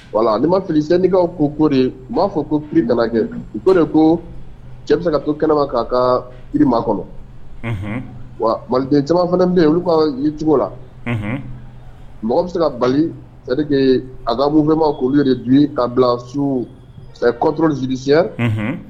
Wala n ma filisennikaw ko ko de u b'a fɔ ko ki dankɛ u ko de ko cɛ bɛ se ka to kɛnɛma k'a ka kiri ma kɔnɔ wa maliden caman fana bɛ yen olu'a ye cogo la mɔgɔ bɛ se ka balike a gabu fɛnma k olu de dun a bila su kɔt sisi